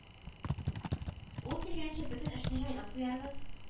Ул килгәнче бөтен эшне җайлап куярбыз